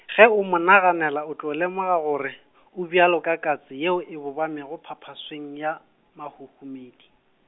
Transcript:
ge o mo naganela o tlo lemoga gore , o bjalo ka katse yeo e bobamego phaphasweng ya, mahohomedi.